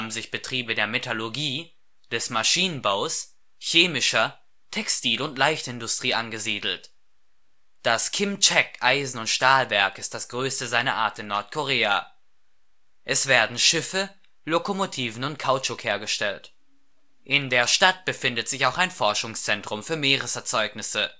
sich Betriebe der Metallurgie, des Maschinenbaus, chemischer, Textil - und Leichtindustrie angesiedelt. Das Kim Ch’ aek-Eisen - und Stahlwerk ist das größte seiner Art in Nordkorea. Es werden Schiffe, Lokomotiven und Kautschuk hergestellt. In der Stadt befindet sich auch ein Forschungszentrum für Meereserzeugnisse